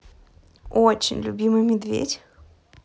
очень любимый медведь